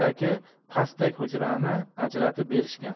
yonboshidagi pastak hujrani ajratib berishgan